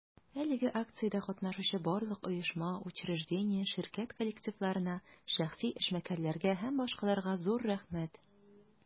Әлеге акциядә катнашучы барлык оешма, учреждение, ширкәт коллективларына, шәхси эшмәкәрләргә һ.б. зур рәхмәт!